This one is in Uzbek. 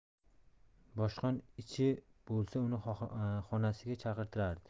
boshqon ishi bo'lsa uni xonasiga chaqirtirardi